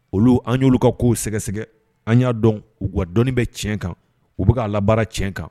Olu, an y'olu ka k'o sɛgɛsɛgɛ an y'a dɔn u ka dɔnnii bɛ tiɲɛ kan u bɛ labaara tiɲɛ kan